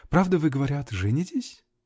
-- Правда, вы, говорят, женитесь?